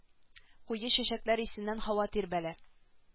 Куе чәчәкләр исеннән һава тирбәлә